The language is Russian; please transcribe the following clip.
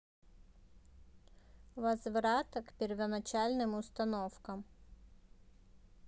возврат к первоначальным установкам